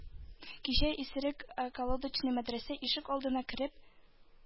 Кичә исерек околодочный мәдрәсә ишек алдына кереп,